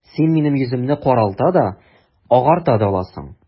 Син минем йөземне каралта да, агарта да аласың...